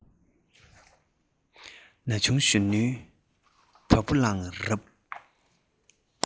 ན ཆུང གཞོན ནུའི བ སྤུ ལངས རབས